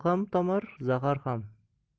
ham tomar zahar ham